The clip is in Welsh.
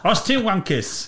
Os ti'n wancus!